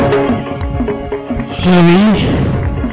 alo oui